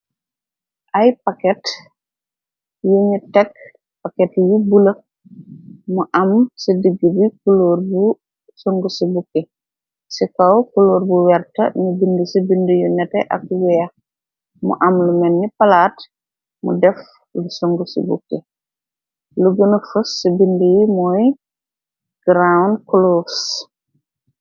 Ay paket yi ñu tekk paket yi bule mu am ci digg gi kuloor bu sung ci bukki ci kaw kuloor bu werta nu bind ci bind yu nete ak weex mu am lu menni palaat mu def lu sung ci bukki lu gëna fas ci bind yi mooy ground clous.